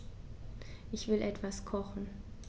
Ich will etwas kochen.